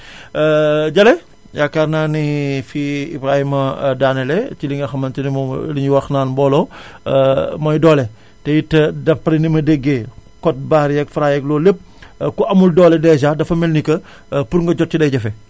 Jalle yaakaar naa ne fi brahima daane lee ci li nga xamante ne moom mooy li ñuy wax naan mbooloo mooy doole te it d' après ni ma déggee code barre yeeg Fra yeeg loolu lépp ku amul doole dèjà dafa mel ni que pour nga jot ci day jafe